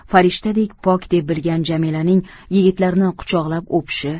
farishtadek pok deb bilgan jamilaning yigitlarning quchoqlab o'pishi